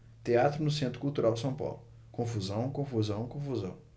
teatro no centro cultural são paulo confusão confusão confusão